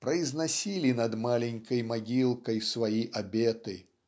произносили над маленькой могилкой свои обеты".